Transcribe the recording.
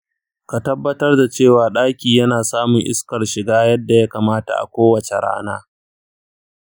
ka tabbatar da cewa ɗaki yana samun iskar shiga yadda ya kamata a kowace rana.